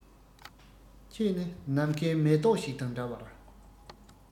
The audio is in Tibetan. ཁྱེད ནི ནམ མཁའི མེ ཏོག ཞིག དང འདྲ བར